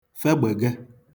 fegbège